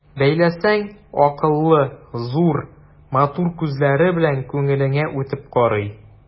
Бәйләсәң, акыллы, зур, матур күзләре белән күңелеңә үтеп карый.